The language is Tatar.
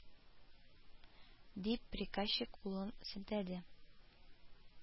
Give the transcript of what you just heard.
Дип, приказчик кулын селтәде